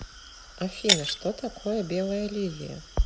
афина что такое белая лилия